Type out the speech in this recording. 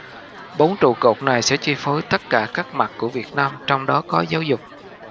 bốn trụ cột này sẽ chi phối tất cả các mặt của việt nam trong đó có giáo dục